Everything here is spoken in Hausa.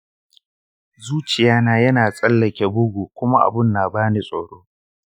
zuciyana yana tsallake bugu kuma abun na bani tsoro.